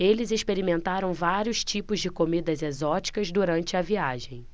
eles experimentaram vários tipos de comidas exóticas durante a viagem